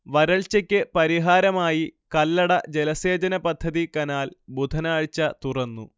വരൾച്ചയ്ക്ക് പരിഹാരമായി കല്ലട ജലസേചനപദ്ധതി കനാൽ ബുധനാഴ്ച തുറന്നു